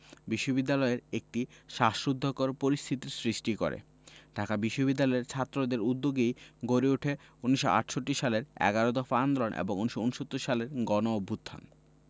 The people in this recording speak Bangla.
বিশ্ববিদ্যালয়ের একটি শ্বাসরুদ্ধকর পরিস্থিতির সৃষ্টি করে ঢাকা বিশ্ববিদ্যালয়ের ছাত্রদের উদ্যোগেই গড়ে উঠে ১৯৬৮ সালের এগারো দফা আন্দোলন এবং ১৯৬৯ সালের গণঅভ্যুত্থান